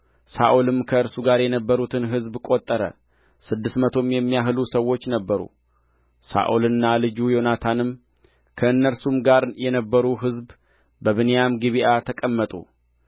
ሳኦልም ከእርሱ ጋር የነበሩትን ሕዝብ ቈጠረ ስድስት መቶም የሚያህሉ ሰዎች ነበሩ ሳኦልና ልጁ ዮናታንም ከእነርሱም ጋር የነበሩ ሕዝብ በብንያም ጊብዓ ተቀመጡ